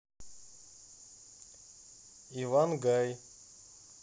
ивангай